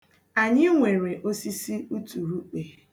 Anyị nwere osisi uturukpe.